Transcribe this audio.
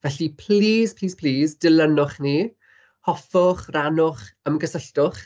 Felly plis, plis, plis, dilynwch ni, hoffwch, rannwch, ymgysylltwch.